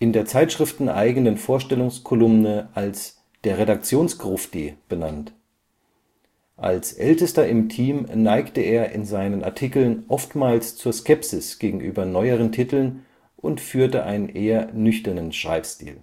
der zeitschrifteigenen Vorstellungskolumne als „ der Redaktionsgrufti “benannt. Als ältester im Team neigte er in seinen Artikeln oftmals zur Skepsis gegenüber neueren Titeln und führte einen eher nüchternen Schreibstil